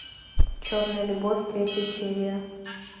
черная любовь третья серия